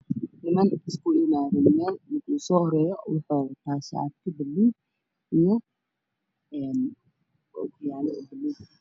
Niman isugu imaaday meel ninka ugu soo horreeyo wuxuu wataa shaati buluug iyo ookiyaalo oo buluug